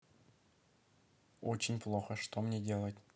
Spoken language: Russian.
очень плохо что мне делать